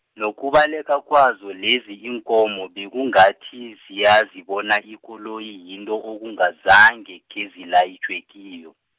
nokubaleka kwazo, lezi iinkomo bekungathi, ziyazi bona ikoloyi yinto ekungazange, khezilayitjhwe kiyo.